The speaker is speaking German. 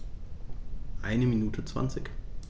Eine Minute 20